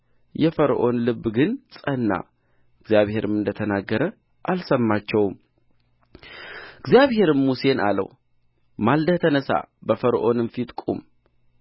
የፈርዖን ልብ ግን ጸና እግዚአብሔርም እንደ ተናገረ አልሰማቸውም እግዚአብሔርም ሙሴን አለው ማልደህ ተነሣ በፈርዖንም ፊት ቁም